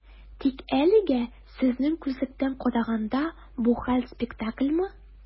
Тик әлегә, сезнең күзлектән караганда, бу хәл - спектакльмы?